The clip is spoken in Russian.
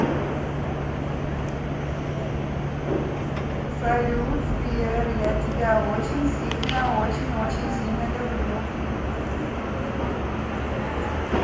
салют сбер я тебя очень сильно очень очень сильно люблю